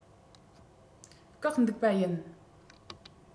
བཀག འདུག པ ཡིན